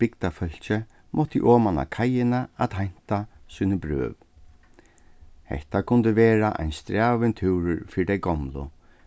bygdarfólkið mátti oman á keiina at heinta síni brøv hetta kundi vera ein strævin túrur fyri tey gomlu